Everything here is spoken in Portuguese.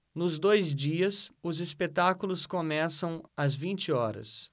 nos dois dias os espetáculos começam às vinte horas